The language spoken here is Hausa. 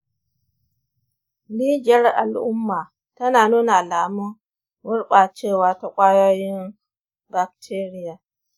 rijiyar al’umma tana nuna alamun gurɓacewa ta ƙwayoyin bacteria.